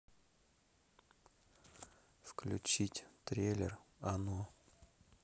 включить трейлер оно